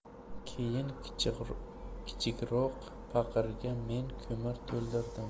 keyin kichikroq paqirga men ko'mir to'ldirdim